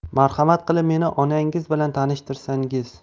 marhamat qilib meni onangiz bilan tanishtirsangiz